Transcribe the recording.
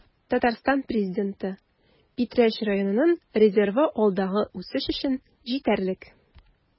Татарстан Президенты: Питрәч районының резервы алдагы үсеш өчен җитәрлек